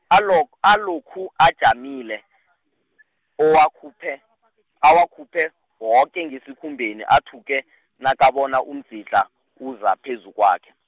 alok- alokhu ajamile , owakhuphe, awakhuphe woke ngesikhumbeni athuke, nakabona umdzidlha, uza phezu kwakhe.